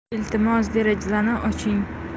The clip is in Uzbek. iltimos derazani oching